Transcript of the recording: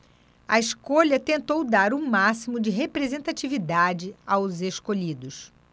a escolha tentou dar o máximo de representatividade aos escolhidos